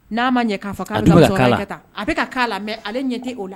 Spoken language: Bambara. Na ma ɲɛ ka fɔ ka bi ka dɔwɛrɛ kɛ tan. A bi ka kala. Mais ale ɲɛ tɛ o la.